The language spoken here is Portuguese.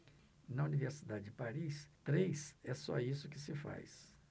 na universidade de paris três é só isso que se faz